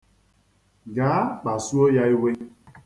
Gaa kpasuo ya iwe.